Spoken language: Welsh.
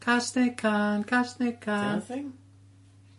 Cas neu cân, cas neu cân. 'Di o'n thing?